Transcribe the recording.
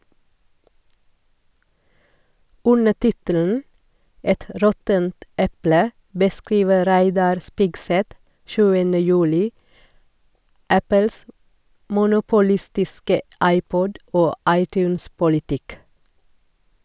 Under tittelen «Et råttent eple» beskriver Reidar Spigseth 7. juli Apples monopolistiske iPod- og iTunes-politikk.